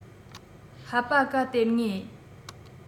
ཧ པ ཀ སྟེར ངེས